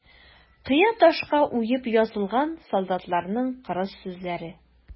Кыя ташка уеп язылган солдатларның кырыс сүзләре.